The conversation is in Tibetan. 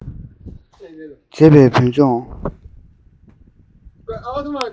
མཛེས པའི བོད ལྗོངས